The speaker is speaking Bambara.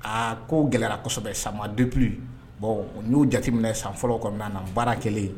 Aa ko gɛlɛrasɛbɛ sa dup u n'o jateminɛ san fɔlɔ baara kɛlen